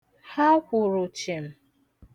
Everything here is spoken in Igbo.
Ha kwụrụ chim.